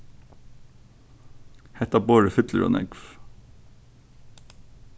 hetta borðið fyllir ov nógv